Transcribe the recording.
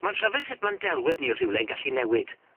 Ma'n rhyfedd sut ma'n delwedd ni o rhywle yn gallu newid.